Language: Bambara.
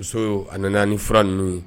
Muso ani nana naani ni fura ninnu ye